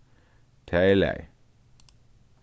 tað er í lagi